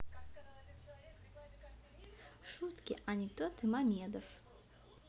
шутки анекдоты мамедов